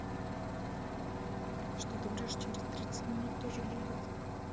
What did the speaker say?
что ты врешь через тридцать минут тоже будет